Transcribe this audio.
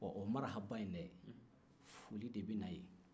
o marihaba in de foli de bɛ na n'a ye